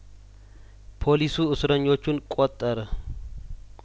ፖሊሱ እስረኞቹን ቆጠረ